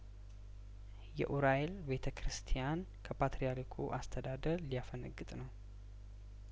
የኡራኤል ቤተ ክርስቲያን ከፓትርያርኩ አስተዳደር ሊያፈነግጥ ነው